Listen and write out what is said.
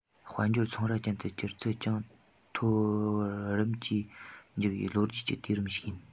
དཔལ འབྱོར ཚོང ར ཅན དུ འགྱུར ཚད ཅུང མཐོ བར རིམ གྱིས འགྱུར བའི ལོ རྒྱུས ཀྱི དུས རིམ ཞིག ཡིན